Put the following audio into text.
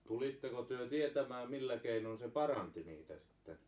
tulitteko te tietämään millä keinoin se paransi niitä sitten